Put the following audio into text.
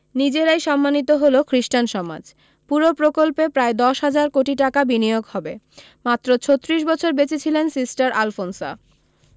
নিজেরাই সম্মানিত হল খ্রীস্টান সমাজ পুরো প্রকল্পে প্রায় দশ হাজার কোটি টাকা বিনিয়োগ হবে মাত্র ছত্রিশ বছর বেঁচে ছিলেন সিস্টার আলফোনসা